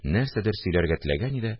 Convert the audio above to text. Нәрсәдер сөйләргә теләгән иде